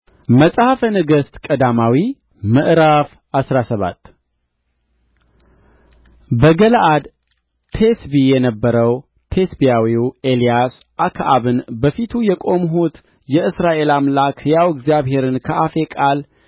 መጽሐፈ ነገሥት ቀዳማዊ ምዕራፍ አስራ ሰባት በገለዓድ ቴስቢ የነበረው ቴስብያዊው ኤልያስ አክዓብን በፊቱ የቆምሁት የእስራኤል አምላክ ሕያው እግዚአብሔርን ከአፌ ቃል